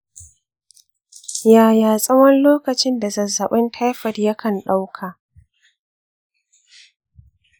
yaya tsawon lokacin da zazzabin taifoid yakan ɗauka?